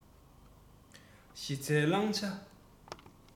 གཞི རྩའི བླང བྱ